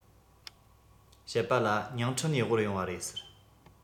བཤད པ ལ ཉིང ཁྲི ནས དབོར ཡོང བ རེད ཟེར